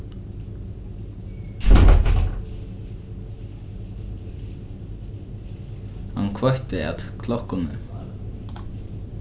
hann kveitti at klokkuni